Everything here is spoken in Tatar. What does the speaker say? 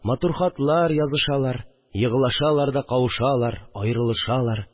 Матур хатлар язышалар, еглашалар да кавышалар, аерылышалар